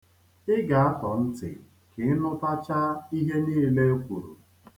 Ị ga-atọ ntị ka ị nụtachaa ihe niile e kwuru.